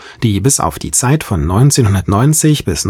die bis auf die Zeit von 1990